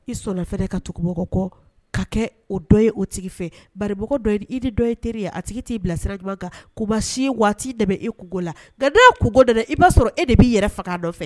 I sɔnna fana ka tugu mɔgɔ kɔ, ka kɛ o dɔ ye o tigi nɔ fɛ bari mɔgɔ dɔ ye, i ni dɔ ye teri ye a tigi t'i bila sira ɲuman kan, tuma si wa a t'i dɛmɛ e kunko la nka n'a kunko nana, i b'a sɔrɔ e de b'i yɛrɛ faga a nɔfɛ.